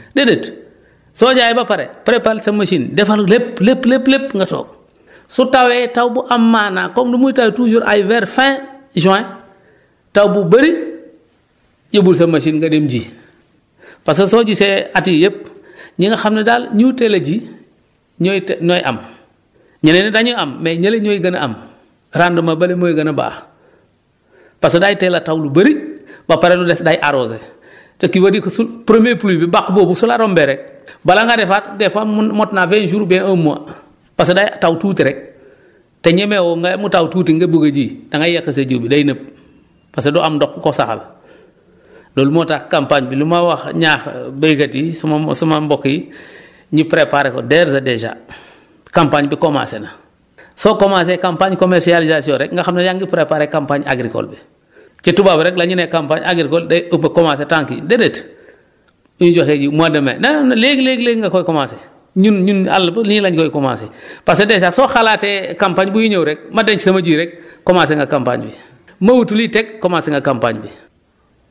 déedéet soo jaayee ba pare préparé sa machine defal lépp lépp lépp nga toog su tawee taw bu am maanaa comme nu muy tawee toujours ay vers fin juin taw bu bëri yóbbul sa machine nga dem ji parce que soo gisee at yii yëpp ñi nga xam ne daal ñu teel a ji ñooy te ñooy am ñeneen ñi daénuy am mais ñële ñooy gën a am rendement bële mooy gën a baax parce que day teel a taw lu bëri ba pare lu des day arroser ce qui veut dire que su premier pluie bi bàq boobu su la rombee rek bala ngaa defaat des fois mu mot na vingt jours ba un mois parce que day taw tuuti rek te ñemewoo nga mu taw tuuti nga bugg a ji da ngay yàq sa jiw bi day nëb parce que du am ndox bu ko saxal loolu moo tax campagne bi lu ma wax ñaax béykat yi suma mo suma mbokk yi ñu préparer ko dores et dèjà campagne bi commencé na foo commencé campagne commercialisation rek nga xam ne yaa ngi préparer campagne agricole bi ci tubaab rek la ñu ne campagne agricole day ëpp commencé tànk yi déedéet ñuy joxe jiw mois de mai non non non léegi léegi nga koy commencé ñun ñun àll ba léegi la ñu koy commencé parce que dèjà soo xalaatee campagne buy ñëw rek ma denc sama ji rek commencé nga campagne bi ma wut lii teg commencé nga campagne bi